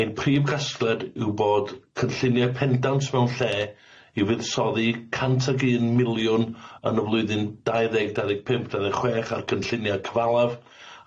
Ein prif gasgled yw bod cynllunie pendant mewn lle i fuddsoddi cant ag un miliwn yn y flwyddyn dau ddeg dau ddeg pump dau ddeg chwech ar cynllunie cyfalaf,